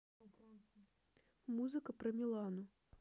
музыка про милану